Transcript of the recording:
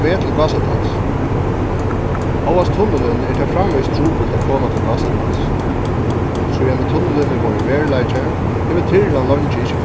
á veg til gásadals hóast tunnilin er tað framvegis trupult at koma til gásadals síðani tunnilin er vorðin veruleiki hevur tyrlan leingi ikki